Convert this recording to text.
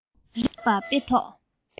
རིག པ དཔེ ཐོག